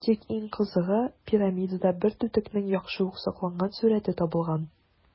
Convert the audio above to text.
Тик иң кызыгы - пирамидада бер түтекнең яхшы ук сакланган сурəте табылган.